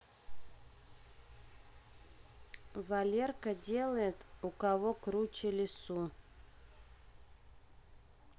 валерка делает у кого круче лису